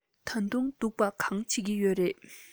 ད དུང སྡུག པ གང བྱེད ཀྱི ཡོད རས